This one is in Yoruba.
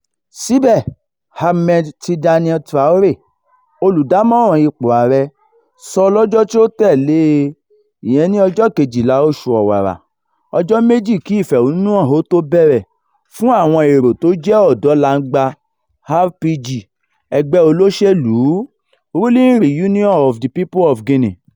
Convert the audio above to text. Síbẹ̀, Ahmed Tidiane Traoré, olùdámọ̀ràn ipò ààrẹ, sọ lọ́jọ́ tí ó tẹ̀lé e, ìyẹn ní ọjọ́ 12 oṣù Ọ̀wàrà, — ọjọ́ méjì kí ìfẹ̀hònúhàn ó tó bẹ̀rẹ̀, — fún àwọn èrò tó jẹ́ ọ̀dọ́ langba RPG ẹgbẹ́ olóṣèlúu [ruling Reunion of the People of Guinea]: